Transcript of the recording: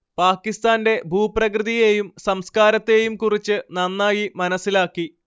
പാകിസ്താന്റെ ഭൂപ്രകൃതിയെയും സംസ്കാരത്തെയും കുറിച്ച് നന്നായി മനസ്സിലാക്കി